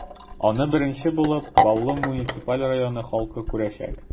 Аны беренче булып, Баулы муниципаль районы халкы күрәчәк.